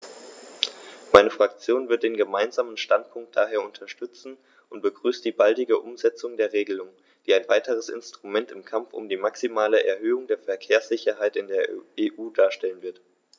Meine Fraktion wird den Gemeinsamen Standpunkt daher unterstützen und begrüßt die baldige Umsetzung der Regelung, die ein weiteres Instrument im Kampf um die maximale Erhöhung der Verkehrssicherheit in der EU darstellen wird.